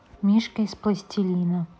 мишка из пластилина